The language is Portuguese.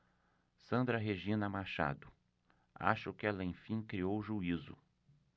sandra regina machado acho que ela enfim criou juízo